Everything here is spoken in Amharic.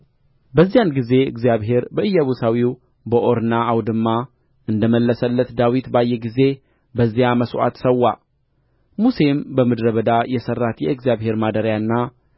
በዚያን ጊዜ እግዚአብሔር በኢያቡሳዊው በኦርና አውድማ እንደ መለሰለት ዳዊት ባየ ጊዜ በዚያ መሥዋዕት ሠዋ ሙሴም በምድረ በዳ የሠራት የእግዚአብሔር ማደሪያና